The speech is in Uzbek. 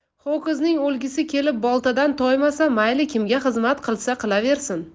ho'kizning o'lgisi kelib boltadan toymasa mayli kimga xizmat qilsa qilaversin